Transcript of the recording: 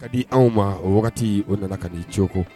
Ka di anw ma o wagati o nana ka di cogoko